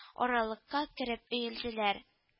Аралыкка кереп өелделәр